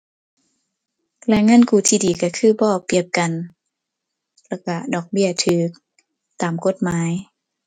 แหล่งเงินกู้ที่ดีก็คือบ่เอาเปรียบกัน แล้วก็ดอกเบี้ยก็ตามกฎหมาย